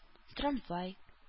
Трамвай